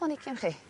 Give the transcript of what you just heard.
planhigion chi.